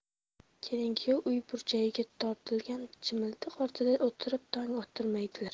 kelin kuyov uy burchagiga tortilgan chimildiq ortida o'tirib tong ottirmaydilar